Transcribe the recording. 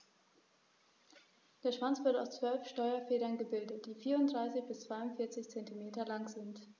Der Schwanz wird aus 12 Steuerfedern gebildet, die 34 bis 42 cm lang sind.